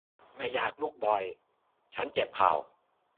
ไม่อยากลุกบ่อยฉันเจ็บเข่า